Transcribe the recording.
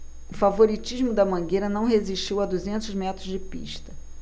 o favoritismo da mangueira não resistiu a duzentos metros de pista